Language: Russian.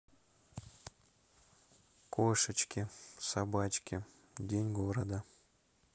кошечки собачки день города